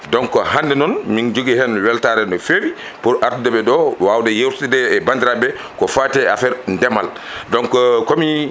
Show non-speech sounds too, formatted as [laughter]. donc noon min jogui hen welatare no fewi pour addudeɓe ɗo wawde yewtidde e bandiraɓeɓe ko fate affaire ndeemal donc [hesitation] komi